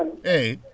eeyi